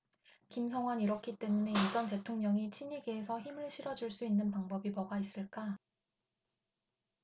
김성완 이렇기 때문에 이 전 대통령이 친이계에게 힘을 실어줄 수 있는 방법이 뭐가 있을까